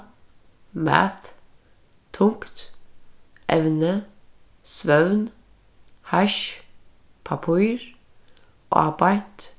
math tungt evni svøvn hassj pappír ábeint